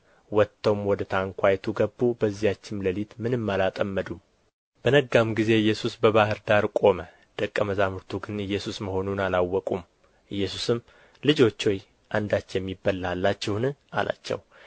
ወጥተውም ወደ ታንኳይቱ ገቡ በዚያችም ሌሊት ምንም እላጠመዱም በነጋም ጊዜ ኢየሱስ በባሕር ዳር ቆመ ደቀ መዛሙርቱ ግን ኢየሱስ መሆኑን አላወቁም ኢየሱስም ልጆች ሆይ አንዳች የሚበላ አላችሁን አላቸው